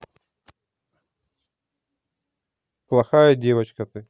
плохая девочка ты